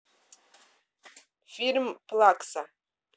фильм плакса